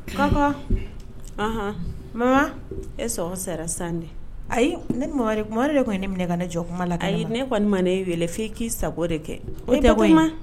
Mama e sɔn sara san dɛ ayi ne mama kuma de kɔni ye ne minɛ ka ne jɔ kuma la ayi ne kɔni ma ne wele' k'i sago de kɛ da